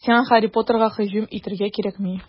Сиңа Һарри Поттерга һөҗүм итәргә кирәкми.